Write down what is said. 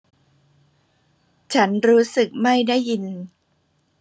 ฉันรู้สึกไม่ได้ยิน